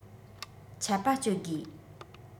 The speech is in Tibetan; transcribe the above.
ཆད པ གཅོད དགོས